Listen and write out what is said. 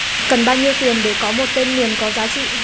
cần bao nhiêu tiền để có một tên miền có giá trị